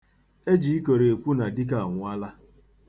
E ji ikoro ekwu na dike anwụọla.